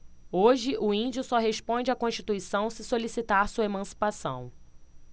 hoje o índio só responde à constituição se solicitar sua emancipação